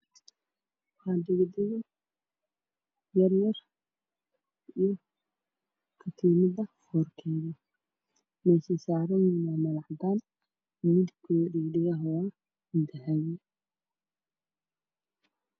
Waa dhaga dhago yar yar iyo katiinado horteda mesheysanyihiin waa meel cadaan Midabkooda dhaga dhagaha waa dahabi